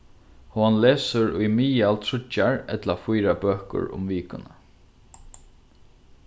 hon lesur í miðal tríggjar ella fýra bøkur um vikuna